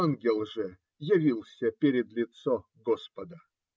Ангел же явился перед лицо господа.